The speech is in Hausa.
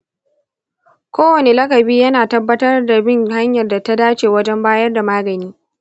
kowane lakabi yana tabbatar da bin hanyar da ta dace wajen bayar da magani.